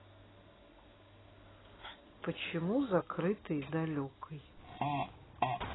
почему закрытой далекой